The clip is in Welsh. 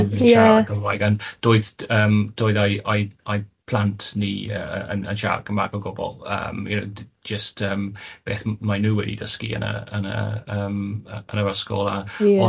...ddim yn siarad gyda fi gan doedd yym doedd ai ai ai plant ni yy yn yn siarad Cymrag o gwbl yym you know jyst yym beth maen nhw wedi dysgu yn y yn y yym yy yn yr ysgol a... Ie.